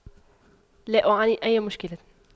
لا اعاني اي مشكلة